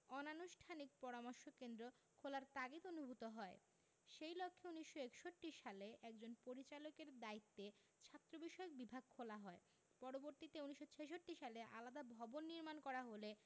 অনানুষ্ঠানিক পরামর্শ কেন্দ্র খোলার তাগিদ অনুভূত হয় সেই লক্ষ্যে ১৯৬১ সালে একজন পরিচালকের দায়িত্বে ছাত্রবিষয়ক বিভাগ খোলা হয় পরবর্তীতে ১৯৬৬ সালে আলাদা ভবন নির্মাণ করা হলে